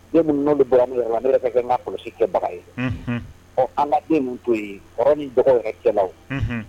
fɛn minnu bɔra ne min yɛrɛ la, ne yɛrɛ tɛ ka n ka kɔlɔsi kɛbaga ye, unhun, Ɔ an k'a den ninnu to yen kɔrɔ ni dɔgɔw yɛrɛ cɛla.